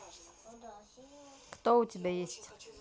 кто у тебя есть